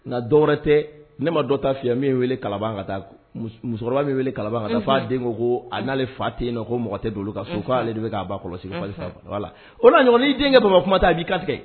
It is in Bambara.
Nka dɔ wɛrɛ tɛ, ne ma dɔ ta f’i ye min ye n wele Kalaban ka taa, musokɔrɔba bɛ n wele kalaban ka taa, unhun, fɔ a den ko, n'ale fa tɛ yen nɔn ko mɔgɔ tɛ don olu ka so, unhun, k'ale de bɛ ba kɔlɔsi bari voilà o de y’a to ni y’i den kɛ baba commandant ye a b’i kan tigɛ.